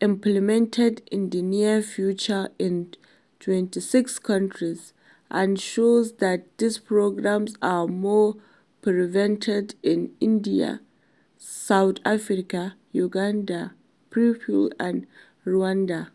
implemented in the near future in 26 countries, and shows that these programs are more prevalent in India, South Africa, Uganda, Peru, and Rwanda.